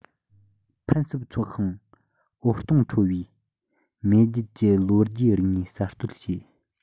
ཕུན སུམ ཚོགས ཤིང འོད སྟོང འཕྲོ བའི མེས རྒྱལ གྱི ལོ རྒྱུས རིག གནས གསར གཏོད བྱས